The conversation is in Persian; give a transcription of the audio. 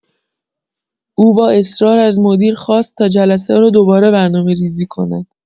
او با اصرار از مدیر خواست تا جلسه را دوباره برنامه‌ریزی کند.